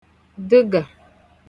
dəgà